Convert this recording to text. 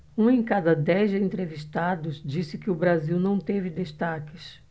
um em cada dez entrevistados disse que o brasil não teve destaques